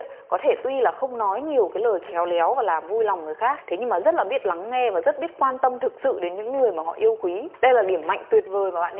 có thể tuy là không nói nhiều cái lời khéo léo và làm vui lòng người khác thế nhưng rất là biết lắng nghe và rất biết quan tâm thực sự đến những người mà họ yêu quý đây là điểm mạnh tuyệt vời mà bạn